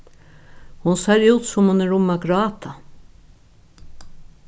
hon sær út sum hon er um at gráta